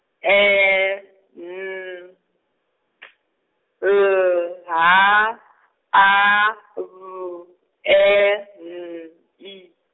E N T L H A V E N I.